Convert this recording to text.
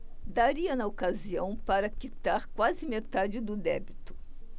daria na ocasião para quitar quase metade do débito